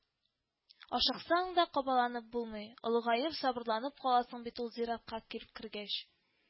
Ашыксаң да кабаланып булмый, олыгаеп, сабырланып каласың бит ул зиратка килеп кергәч